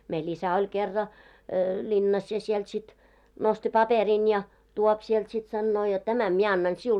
meillä isä oli kerran linnassa ja sieltä sitten nosti paperin ja tuo sieltä sitten sanoo jotta tämän minä annan sinulle